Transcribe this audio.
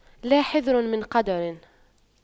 لا حذر من قدر